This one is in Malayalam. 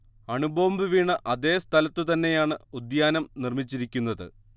അണുബോംബ് വീണ അതേ സ്ഥലത്തു തന്നെയാണ് ഉദ്യാനം നിർമ്മിച്ചിരിക്കുന്നത്